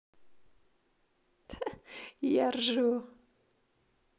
я ржу